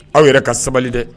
Aw yɛrɛ ka sabali dɛ